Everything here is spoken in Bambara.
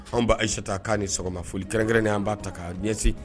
An ba Ayisata, k'a ni sɔgɔma, foli kɛrɛnnen an b'a ta k'a ɲɛsin